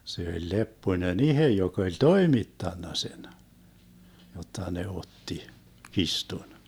se oli Lepponen itse joka oli toimittanut sen jotta ne otti kirstun